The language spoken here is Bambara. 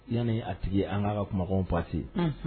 Yanani a tigi an ka ka kuma pa